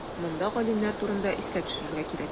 Монда галимнәр турында искә төшерергә кирәк.